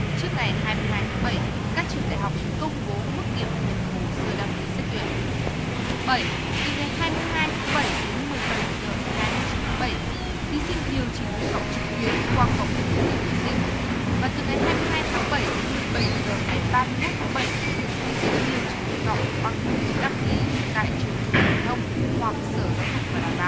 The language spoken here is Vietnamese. trước ngày hai mươi hai tháng bảy các trường đại học công bố mức điểm nhận hồ sơ đăng ký xét tuyển bảy từ ngày hai mươi hai tháng bảy đến mười bảy giờ ngày hai mươi chín tháng bảy thí sinh điều chỉnh nguyện vọng trực tuyến qua cổng thông tin tuyển sinh và từ ngày hai mươi hai tháng bảy đến mười bảy giờ ngày ba mươi mốt tháng bảy thí sinh điều chỉnh nguyện vọng bằng phiếu đăng ký tại trường trung học phổ thông hoặc sở giáo dục và đào tạo